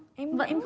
em vẫn